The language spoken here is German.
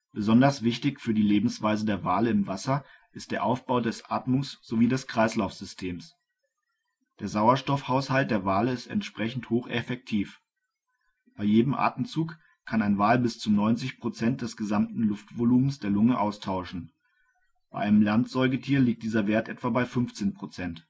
Besonders wichtig für die Lebensweise der Wale im Wasser ist der Aufbau des Atmungs - sowie des Kreislaufsystems. Der Sauerstoffhaushalt der Wale ist entsprechend hocheffektiv. Bei jedem Atemzug kann ein Wal bis zu 90 Prozent des gesamten Luftvolumens der Lunge austauschen, bei einem Landsäugetier liegt dieser Wert etwa bei 15 Prozent